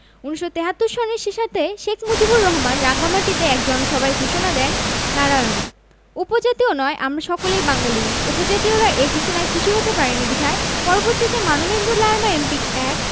১৯৭৩ সনের শেষার্ধে শেখ মুজিবুর রহমান রাঙামাটিতে এক জনসভায় ঘোষণা দেন নারায়ণ উপজাতীয় নয় আমরা সকলেই বাঙালি উপজাতয়িরা এ ঘোষণায় খুশী হতে পারেনি বিধায় পরবর্তীতে মানবেন্দ্র লারমা এম.পি. এক